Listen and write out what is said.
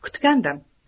kutgan edim